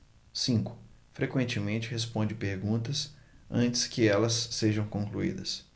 cinco frequentemente responde perguntas antes que elas sejam concluídas